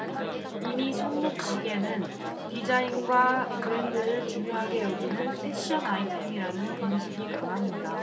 이미 손목시계는 디자인과 브랜드를 중요하게 여기는 패션 아이템이라는 인식이 강합니다